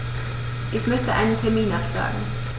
Ich möchte einen Termin absagen.